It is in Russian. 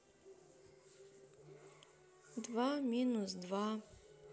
два минус два